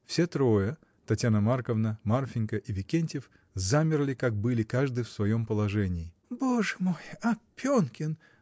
Все трое, Татьяна Марковна, Марфинька и Викентьев, замерли, как были, каждый в своем положении. — Боже мой, Опенкин!